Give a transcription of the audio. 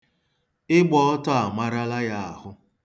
Ịgba ọtọ amarala ya ahụ.